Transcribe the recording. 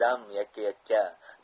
dam yakka yakka